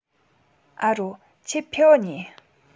ཨ རོ ཁྱོས ཕིའོ ཨེ ཉོས